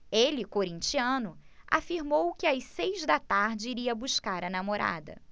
ele corintiano afirmou que às seis da tarde iria buscar a namorada